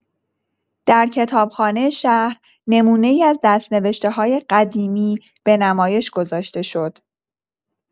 در کتابخانه شهر، نمونه‌ای از دست‌نوشته‌های قدیمی به نمایش گذاشته شد.